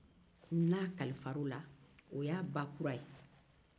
n'a kalifara o la o y'a ba kura